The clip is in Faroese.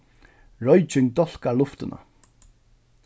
royking dálkar luftina